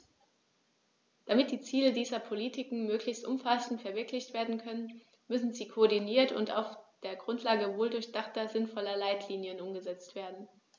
Damit die Ziele dieser Politiken möglichst umfassend verwirklicht werden können, müssen sie koordiniert und auf der Grundlage wohldurchdachter, sinnvoller Leitlinien umgesetzt werden.